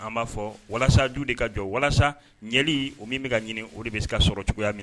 A b'a fɔ walasaju de ka jɔ walasa ɲɛli o min bɛ ka ɲini o de bɛ ka sɔrɔ cogoya minɛ